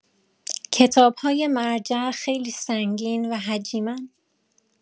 کتاب‌های مرجع خیلی سنگین و حجیم‌ان